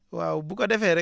waaw bu ko defee rek